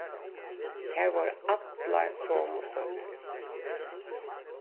tær vóru allar somu stødd